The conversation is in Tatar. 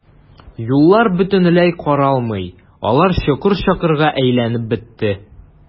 Юллар бөтенләй каралмый, алар чокыр-чакырга әйләнеп бетте.